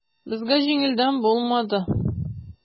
Безгә җиңелдән булмады.